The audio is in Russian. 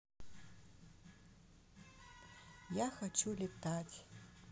я хочу летать